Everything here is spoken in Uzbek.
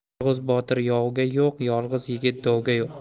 yolg'iz botir yovga yo'q yolg'iz yigit dovga yo'q